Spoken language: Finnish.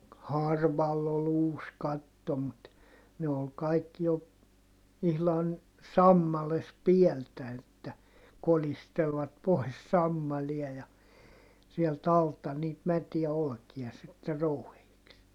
harvalla oli uusi katto mutta ne oli kaikki jo ihan sammaleessa päältä että kolistelivat pois sammalia ja sieltä alta niitä mätiä olkia sitten rouhittiin